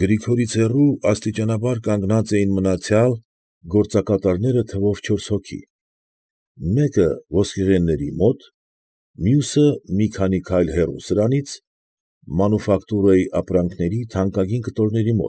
Գրիգորից հեռու աստիճանաբար կանգնած էին մնացյալ գործակատարները թվով չորս հոգի, մեկը ոսկեղենների մոտ, մյուսը մի քանի քայլ հեռու սրանից, մանուֆակտուրայի ապրանքների թանկագին կտորների։